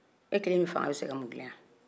e kelenni fanga bɛ se ka mun dilan yan